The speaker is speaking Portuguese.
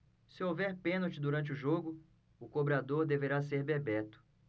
se houver pênalti durante o jogo o cobrador deverá ser bebeto